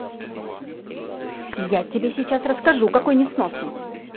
я тебе сейчас расскажу какой несносный